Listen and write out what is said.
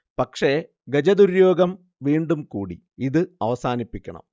പക്ഷേ ഗജദുരോഗ്യം വീണ്ടും കൂടി. ഇത് അവസാനിപ്പിക്കണം